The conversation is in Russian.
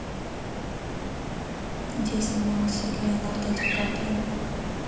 где снимался леонардо ди каприо